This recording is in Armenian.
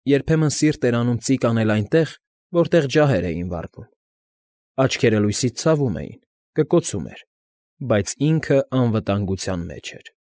Երբեմն սիրտ էր անում ծիկ անել այնտեղ, որտեղ ջահեր էին վառվում. աչքերը լույսից ցավում էին, կկոցում էր, բայց ինքն անվտանգության մեջ էր։